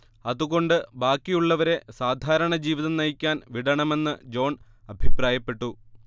അതുകൊണ്ട് ബാക്കിയുള്ളവരെ സാധാരണജീവിതം നയിക്കാൻ വിടണമെന്ന് ജോൺ അഭിപ്രായപ്പെട്ടു